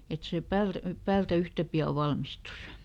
että se - päältä yhtä pian valmistuisi